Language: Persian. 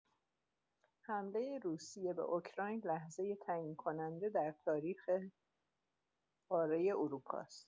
حمله روسیه به اوکراین لحظه تعیین‌کننده در تاریخ قاره اروپاست.